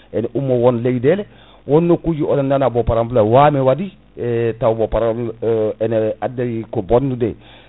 ene ummo wone e leyɗele won nokkuji oɗon nana ba par*wame waɗi e taw bo pa* ene addayi ko bonnude